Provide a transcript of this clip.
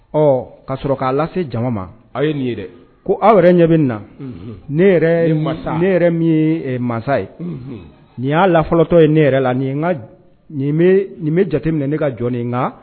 Ɔ ka sɔrɔ k'a lase jama ma aw ye nin yɛrɛ dɛ ko aw yɛrɛ ɲɛ bɛ na ne ne yɛrɛ min ye masa ye nin y'a la fɔlɔtɔ ye ne yɛrɛ la nin bɛ jateminɛ ne ka jɔn n nka